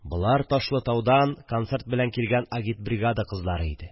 Болар Ташлытаудан концерт белән килгән агитбригада кызлары иде